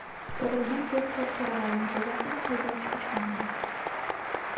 ko'rilgan tezkor choralar natijasida haydovchi ushlandi